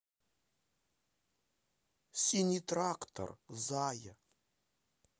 синий трактор зая